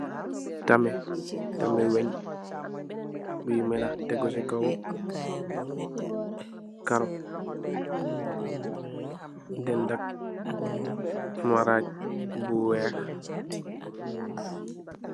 Tameh tameh wuñ buy melal tegu se kaw karou dedank marage bu weex.